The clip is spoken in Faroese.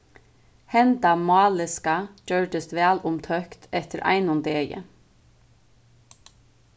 hendan máliska gjørdist væl umtókt eftir einum degi